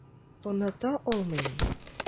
Оныта алмыйм.